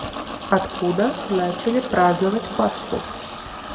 откуда начали праздновать пасху